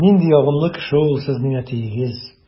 Нинди ягымлы кеше ул сезнең әтиегез!